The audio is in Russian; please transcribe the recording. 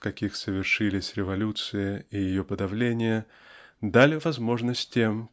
в каких совершились революция и ее подавление дали возможность тем